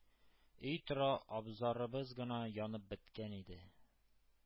Өй тора, абзарыбыз гына янып беткән иде.